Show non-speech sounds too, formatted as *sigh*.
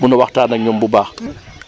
mun a waxtaan ak ñoom *noise* bu baax *noise*